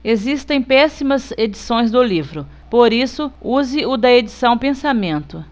existem péssimas edições do livro por isso use o da edição pensamento